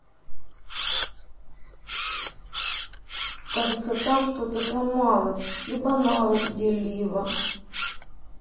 кажется там что то сломалось либо навык где либо